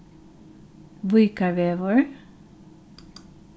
víkarvegur